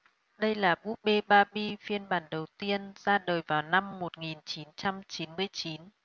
đây là búp bê barbie phiên bản đầu tiên ra đời vào năm một nghìn chín trăm chín mươi chín